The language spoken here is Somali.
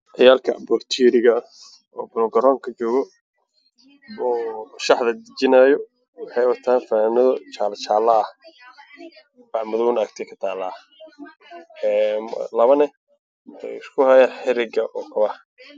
Meeshan waa bannaan waxay taagan wiilal dhalinyaro ah waxa ay gashaneyn fanaanada baney ciyaar rabaan fanaanada caddeys ayey